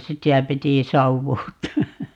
sitä piti savuuttaa